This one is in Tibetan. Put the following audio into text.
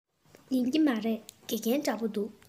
ཡིན གྱི མ རེད དགེ རྒན འདྲ པོ འདུག